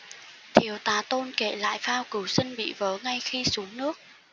thiếu tá tôn kể lại phao cứu sinh bị vỡ ngay khi xuống nước